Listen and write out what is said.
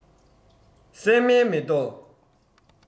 སྲན མའི མེ ཏོག